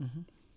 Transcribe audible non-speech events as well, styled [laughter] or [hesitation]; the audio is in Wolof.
[hesitation] [hesitation]